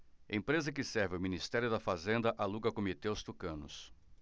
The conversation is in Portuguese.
empresa que serve ao ministério da fazenda aluga comitê aos tucanos